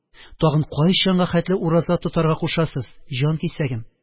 Тагын кайчанга хәтле ураза тотарга кушасыз, җанкисәгем?